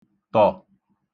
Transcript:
-tọ̀